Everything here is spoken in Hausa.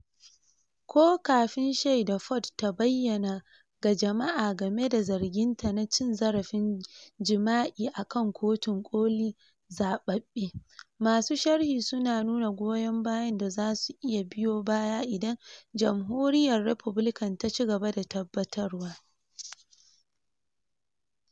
Ko kafin shaida Ford ta bayyana ga jama’a game da zarginta na cin zarafin jima'i akan Kotun Koli zababbe, masu sharhi sun nuna goyon bayan da za su iya biyo baya idan Jamhuriyyar Republican ta ci gaba da tabbatarwa.